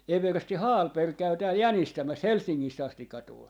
eversti Hallberg käy täällä jänistämässä Helsingistä asti tuli